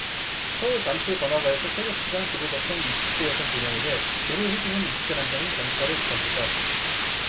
서울 잠실 번화가에서 새벽 시간 길을 걷던 이십 대 여성 두 명에게 돌을 휘두른 이십 대 남성이 경찰에 붙잡혔다